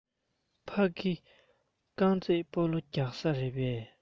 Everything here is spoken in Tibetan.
ཕ གི རྐང རྩེད སྤོ ལོ རྒྱག ས རེད པས